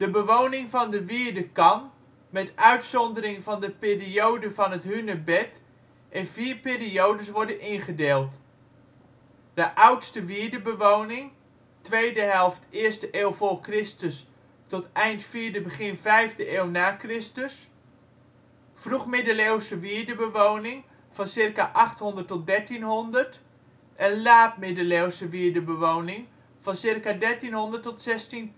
bewoning van de wierde kan (met uitzondering van de periode van het hunebed) in vier periodes worden ingedeeld: oudste wierdebewoning, tweede helft 1e eeuw v.Chr. - eind 4e / begin 5e eeuw na Chr. vroegmiddeleeuwse wierdebewoning, ca. 800 - 1300. laat-middeleeuwse wierdebewoning, ca. 1300 - 1610